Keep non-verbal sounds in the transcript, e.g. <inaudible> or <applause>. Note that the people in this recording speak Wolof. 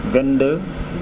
22 <noise>